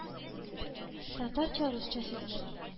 Татарча-русча сүзлек